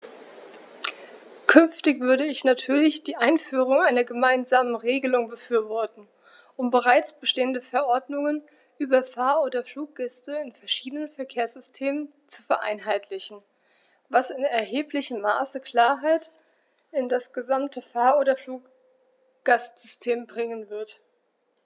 Künftig würde ich natürlich die Einführung einer gemeinsamen Regelung befürworten, um bereits bestehende Verordnungen über Fahr- oder Fluggäste in verschiedenen Verkehrssystemen zu vereinheitlichen, was in erheblichem Maße Klarheit in das gesamte Fahr- oder Fluggastsystem bringen wird.